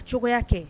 Ka cogoya kɛ